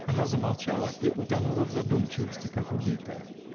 Она замолчала и утонула в задумчивости как убитая.